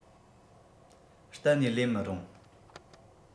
གཏན གནས ལེན མི རུང